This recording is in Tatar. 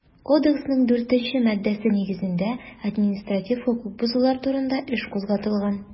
Кодексның 4 нче маддәсе нигезендә административ хокук бозулар турында эш кузгатылган.